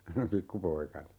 pikkupoikana